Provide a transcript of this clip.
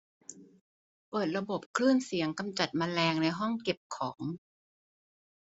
เปิดระบบคลื่นเสียงกำจัดแมลงในห้องเก็บของ